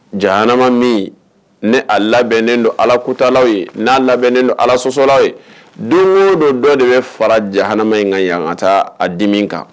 Jama min ne a labɛnnen don ala kutalaw ye n'a labɛnnen don ala sɔsɔlaw ye don o dɔ dɔ de bɛ fara ja hama in kan yan ka taa a dimi kan